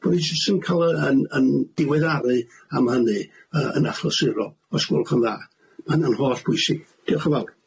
Dwi jys' isio ca'l y 'yn 'yn diweddaru am hynny yy yn achlysurol, os gwelwch yn dda. Ma' hynny'n hollbwysig. Diolch yn fawr.